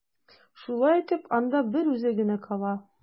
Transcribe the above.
Шулай итеп, анда берүзе генә кала.